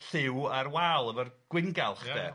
...lliw ar wal efo'r gwyngalch... Ia ia.